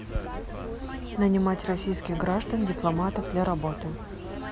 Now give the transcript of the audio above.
нанимать российских граждан дипломатов для работы